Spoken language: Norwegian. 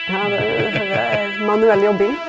her ein høyrer manuell jobbing.